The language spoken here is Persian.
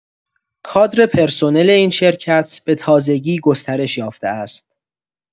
کادر پرسنل این شرکت به تازگی گسترش یافته است.